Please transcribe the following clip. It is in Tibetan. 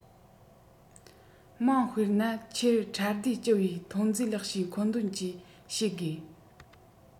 དམངས དཔེར ན ཁྱེར ཁྲལ བསྡུའི སྤྱི པའི ཐོན རྫས ལེགས ཤོས མཁོ འདོན ཅེས བཤད དགོས